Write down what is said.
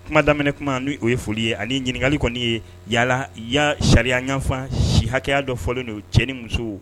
Kuma daminɛminɛ kuma n' o ye foli ye ani ɲininkakali kɔni ye yaala ya sariya ɲfan si hakɛya dɔ fɔ n'o cɛ ni musow